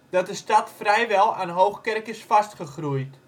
dat de stad vrijwel aan Hoogkerk is vastgegroeid